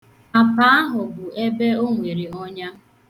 Apa ahụ bụ ebe o nwere ọnya.